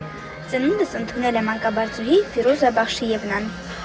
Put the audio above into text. Ծնունդս ընդունել է մանկաբարձուհի Ֆիրուզա Բախշիևնան։